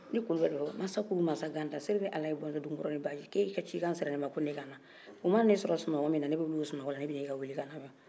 n'i kulibali don a b'a fɔ '' mansa kuru mansa ganda sere ni alayi burankɛ dununkɔrɔ ni baji'' k'e ka cikan sera ne ma ko ne ka na o mana ne sɔrɔ sunɔgɔ min na ne bɛ wuli o sunɔgɔ la ne bɛ na e ka welekan lamɛn